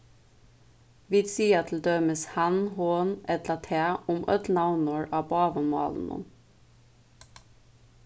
vit siga til dømis hann hon ella tað um øll navnorð á báðum málunum